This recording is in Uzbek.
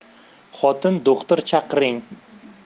xotin do'xtir chaqiring